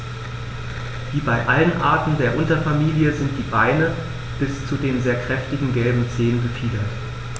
Wie bei allen Arten der Unterfamilie sind die Beine bis zu den sehr kräftigen gelben Zehen befiedert.